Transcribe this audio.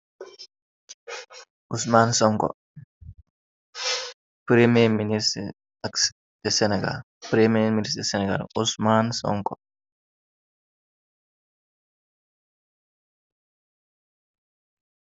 usmaan sonko premièr ministr ak senegal usmaan sonko.